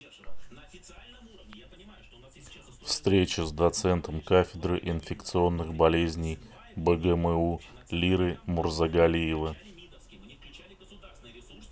встреча с доцентом кафедры инфекционных болезней бгму лиры мурзагалиева